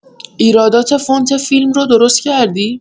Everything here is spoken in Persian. ایرادات فونت فیلم رو درست کردی؟